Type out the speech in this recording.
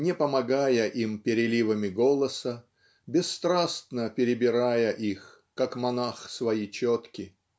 не помогая им переливами голоса бесстрастно перебирая их как монах свои четки.